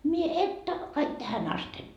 minä että kaikki tähän asti